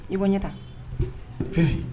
I bɔ n ɲɛ tan. Fifi